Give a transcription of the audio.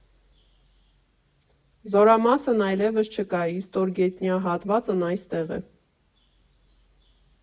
Զորամասն այլևս չկա, իսկ ստորգետնյա հատվածն այստեղ է։